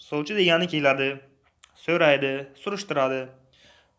sovchi degani keladi so'raydi surishtiradi